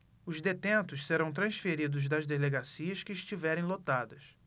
os detentos serão transferidos das delegacias que estiverem lotadas